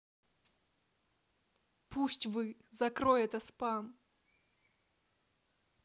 пусть вы закрой это спам